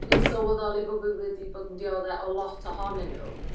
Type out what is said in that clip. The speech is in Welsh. dwi'n sylweddoli bo' fi wedi bod yn diodde o lot ohonyn n'w.